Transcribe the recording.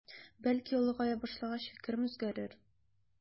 Бәлки олыгая башлагач фикерем үзгәрер.